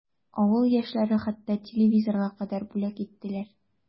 Авыл яшьләре хәтта телевизорга кадәр бүләк иттеләр.